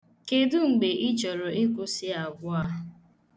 Kedu mgbe ị chọrọ ịkwụsị agwa a?